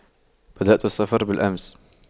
بدأت السفر بالأمس